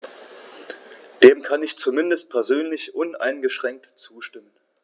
Dem kann ich zumindest persönlich uneingeschränkt zustimmen.